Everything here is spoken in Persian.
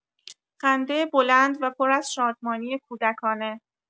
خنده بلند و پر از شادمانی کودکانه